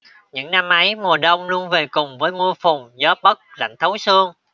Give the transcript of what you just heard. những năm ấy mùa đông luôn về cùng với mưa phùn gió bấc lạnh thấu xương